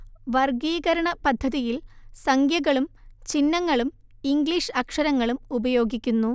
വർഗ്ഗീകരണ പദ്ധതിയിൽ സംഖ്യകളും ചിഹ്നങ്ങളും ഇംഗ്ലീഷ് അക്ഷരങ്ങളും ഉപയോഗിക്കുന്നു